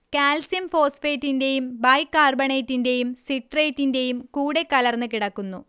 calcium ഫോസ്ഫേറ്റിന്റേയും ബൈകാർബണേറ്റിന്റേയും സിട്രേറ്റിന്റേയും കൂടെക്കലർന്ന് കിടക്കുന്നു